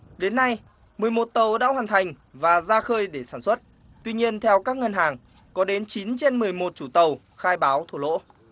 đến nay mười một tàu đã hoàn thành và ra khơi để sản xuất tuy nhiên theo các ngân hàng có đến chín trên mười một chủ tàu khai báo thua lỗ